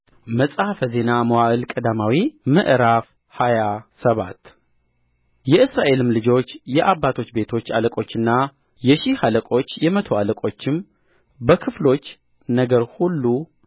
መጽሐፈ ዜና መዋዕል ቀዳማዊ ምዕራፍ ሃያ ሰባት የእስራኤልም ልጆች የአባቶች ቤቶች አለቆችና የሺህ አለቆች የመቶ አለቆችም በክፍሎች ነገር ሁሉ